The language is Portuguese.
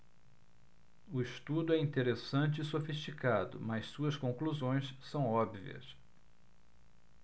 o estudo é interessante e sofisticado mas suas conclusões são óbvias